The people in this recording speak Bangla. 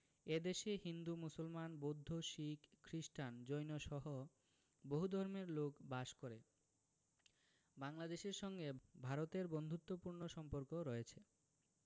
এ দেশে হিন্দু মুসলমান বৌদ্ধ শিখ খ্রিস্টান জৈনসহ বহু ধর্মের লোক বাস করে বাংলাদেশের সঙ্গে ভারতের বন্ধুত্তপূর্ণ সম্পর্ক রয়ছে